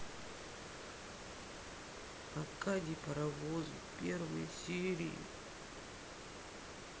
аркадий паровозов первые серии